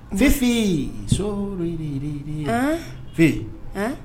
N f fi so